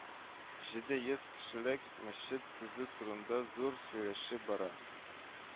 Җиде йөз кешелек мәчет төзү турында зур сөйләшү бара